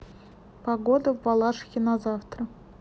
погода в балашихе на завтра